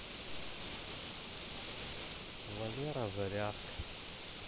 валера зарядка